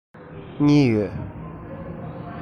གཉིས ཡོད